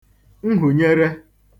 nhùnyere